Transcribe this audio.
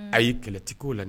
Ayi kɛlɛ ti ko la